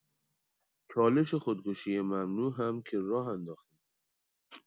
چالش خودکشی ممنوع هم که راه‌انداختن.